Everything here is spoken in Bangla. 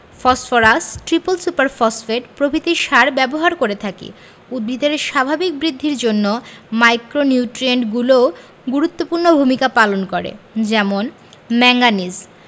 ফসফরাস ট্রিপল সুপার ফসফেট প্রভৃতি সার ব্যবহার করে থাকি উদ্ভিদের স্বাভাবিক বৃদ্ধির জন্য মাইক্রোনিউট্রিয়েন্টগুলোও গুরুত্বপূর্ণ ভূমিকা পালন করে যেমন ম্যাংগানিজ